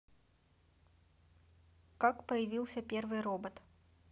как появился первый робот